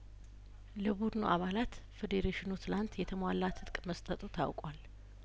ለቡድኑ አባላት ፌዴሬሽኑ ትናንት የተሟላ ትጥቅ መስጠቱ ታውቋል